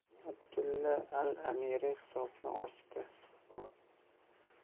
abdulla al amiri hisobni ochdi